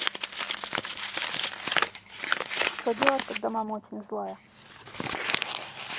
что делать когда мама очень злая